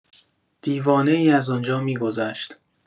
دیوانه‌ای از آنجا می‌گذشت.